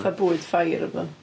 Bwyd ffair a pethau?